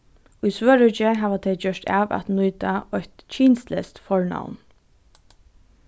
í svøríki hava tey gjørt av at nýta eitt kynsleyst fornavn